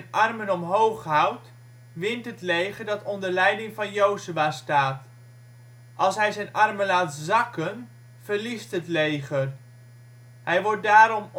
armen omhoog houdt wint het leger dat onder leiding van Jozua staat. Als hij zijn armen laat zakken verliest het leger. Hij wordt daarom